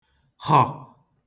họ̀